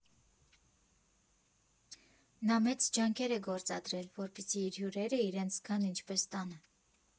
Նա մեծ ջանքեր է գործադրել, որպեսզի իր հյուրերը իրենց զգան ինչպես տանը։